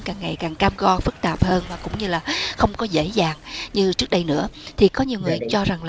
càng ngày càng cam go phức tạp hơn và cũng như là không có dễ dàng như trước đây nữa thì có nhiều người cho rằng